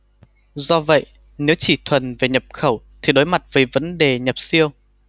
do vậy nếu chỉ thuần về nhập khẩu thì đối mặt với vấn đề nhập siêu